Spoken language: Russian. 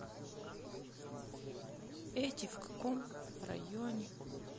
эти в каком районе